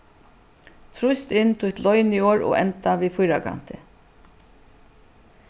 trýst inn títt loyniorð og enda við fýrakanti